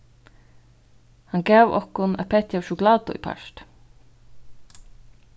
hann gav okkum eitt petti av sjokulátu í part